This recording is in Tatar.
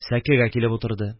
Сәкегә килеп утырды